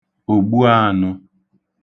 ògbuānụ̄